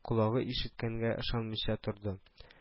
Колагы ишеткәнгә ышанмыйча торды